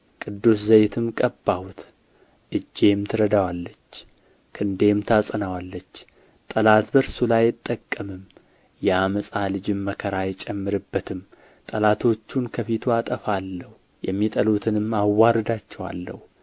ቅዱስ ዘይትም ቀባሁት እጄም ትረዳዋለች ክንዴም ታጸናዋለች ጠላት በእርሱ ላይ አይጠቀምም የዓመፃ ልጅም መከራ አይጨምርበትም ጠላቶቹን ከፊቱ አጠፋለሁ የሚጠሉትንም አዋርዳቸዋለሁ